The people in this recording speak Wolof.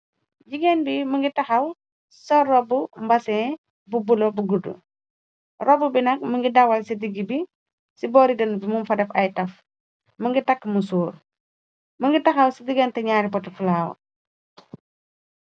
Jigéen bi mi ngi taxaw sol robu mbasi bu bulo, bu gudd. Robu bi nag, mi ngi dawal ci digg bi. Ci boori dena bi mungfa def ay taf, më ngi takk mu soor. Më ngi taxaw ci digante ñaari potu falaawa.